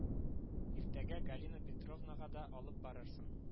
Иртәгә Галина Петровнага да алып барырсың